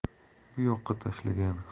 bu yoqqa tashlagan